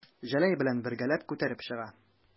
Җәләй белән бергәләп күтәреп чыга.